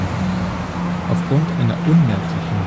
Aufgrund einer unmerklichen